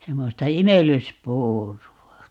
semmoista imellyspuuroa